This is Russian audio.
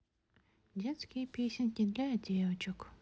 детские песенки для девочек